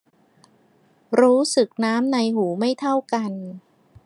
รู้สึกน้ำในหูไม่เท่ากัน